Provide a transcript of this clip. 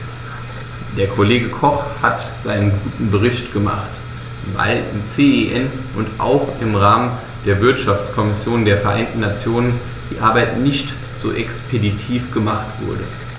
Der Kollege Koch hat seinen guten Bericht gemacht, weil im CEN und auch im Rahmen der Wirtschaftskommission der Vereinten Nationen die Arbeit nicht so expeditiv gemacht wurde.